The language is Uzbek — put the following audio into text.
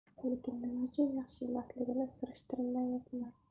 lekin nima uchun yaxshi emasligini surishtirmayman